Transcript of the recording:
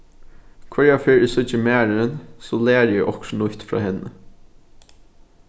hvørja ferð eg síggi marin so læri eg okkurt nýtt frá henni